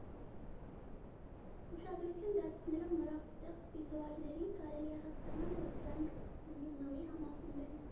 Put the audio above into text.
Ուշադրություն դարձնելով նորաստեղծ վիզուալներին՝ կարելի է հասկանալ, որ դրանք հնի ու նորի համախումբ են.